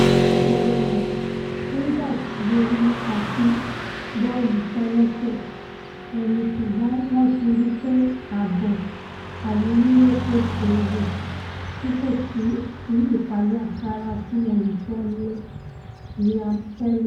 Ní ipele yẹn, Rangers ti borí nípa kí bọ́ọ̀lù pẹ́ lẹ́sẹ̀ ẹni sùgbọ́n wọ́n ti rí i pé ààbò àwọn onile kòṣeé wọ tí kòsí sí ìpayá rárá fún olùṣọ́lé Liam Kelly.